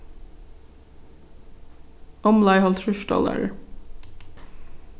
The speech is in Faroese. umleið hálvtrýss dollarar